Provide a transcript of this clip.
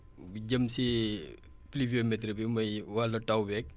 jëm si pluviométrie bi muy wàllu taw beeg